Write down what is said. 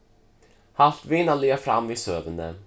halt vinarliga fram við søguni